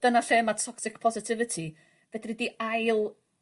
dyna lle ma' toxic positivity fedri di ail